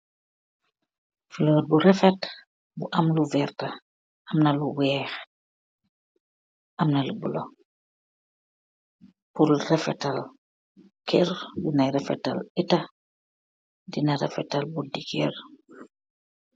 Fuloor bu rafet bu amm lu veerta, amna lu weeh amna luu bulo puur rafettal keer, dina raafettal ehtaa dina rafettal bunti keer.